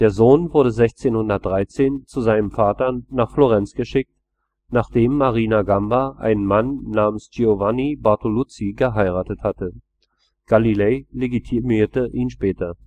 Sohn wurde 1613 zu seinem Vater nach Florenz geschickt, nachdem Marina Gamba einen Mann namens Giovanni Bartoluzzi geheiratet hatte. Galilei legitimierte ihn später